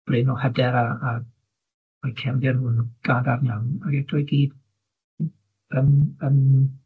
brin o hyder a a mae cefndir nw'n gadarn iawn, ac eto i gyd ng- yym yym